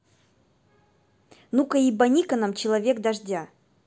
ну ка ебани ка нам человек дождя